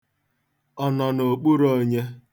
Ọ nọ n'okpuru onye?